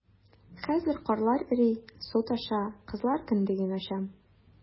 Хәзер карлар эри, су таша - кызлар кендеген ача...